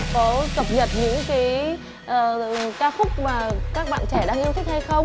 có cập nhật những cái ờ ca khúc mà các bạn trẻ đang yêu thích hay không